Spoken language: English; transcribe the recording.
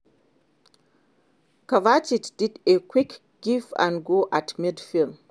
Kovacic did a quick give-and-go at midfield.